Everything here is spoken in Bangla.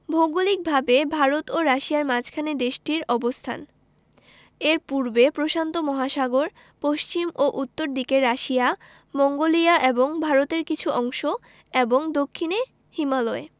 ভৌগলিকভাবে ভারত ও রাশিয়ার মাঝখানে দেশটির অবস্থান এর পূর্বে প্রশান্ত মহাসাগর পশ্চিম ও উত্তর দিকে রাশিয়া মঙ্গোলিয়া এবং ভারতের কিছু অংশ এবং দক্ষিনে হিমালয়